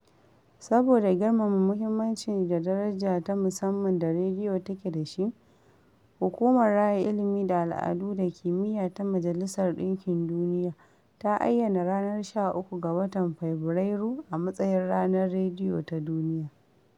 Saboda girmama muhimmancin da daraja ta musamman da rediyo take da shi, Hukumar Raya Ilimi da Al'adu da Kimiyya Ta Majalisar ɗinkin Duniya ta ayyana ranar 13 ga watan Fabrairu a matsayin Ranar Rediyo ta Duniya.